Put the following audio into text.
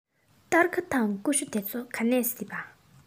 སྟར ཁ དང ཀུ ཤུ དེ ཚོ ག ནས གཟིགས པ